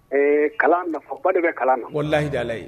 Ɛɛ kalan nafaba de bɛ kalan nafa layijala ye